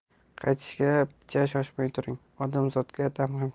qaytishga picha shoshmay turing odamzodga dam